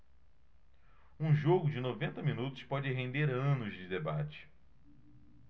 um jogo de noventa minutos pode render anos de debate